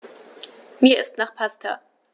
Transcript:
Mir ist nach Pasta.